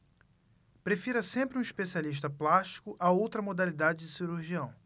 prefira sempre um especialista plástico a outra modalidade de cirurgião